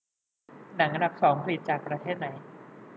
หนังอันดับสองผลิตจากประเทศไหน